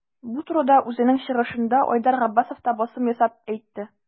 Бу турыда үзенең чыгышында Айдар Габбасов та басым ясап әйтте.